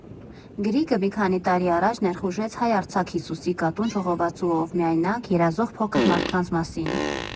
Գրիգը մի քանի տարի առաջ ներխուժեց հայ արձակ «Հիսուսի կատուն» ժողովածուով՝ միայնակ, երազող փոքր մարդկանց մասին։